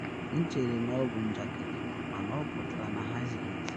“M chere na ọ bụ njakịrị, mana ọ pụtara na ha ziri ezi.”